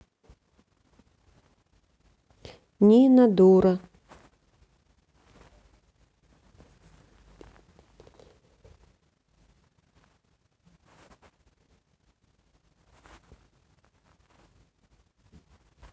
нина дура